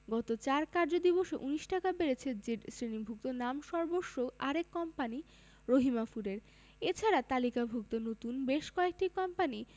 গত ৪ কার্যদিবসে ১৯ টাকা বেড়েছে জেড শ্রেণিভুক্ত নামসর্বস্ব আরেক কোম্পানি রহিমা ফুডের এ ছাড়া তালিকাভুক্ত নতুন বেশ কয়েকটি কোম্পানি